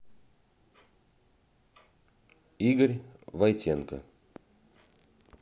игорь войтенко